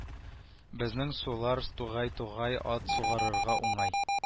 Безнең сулар тугай-тугай ат сугарырга уңай